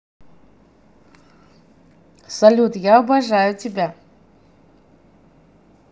салют я обожаю тебя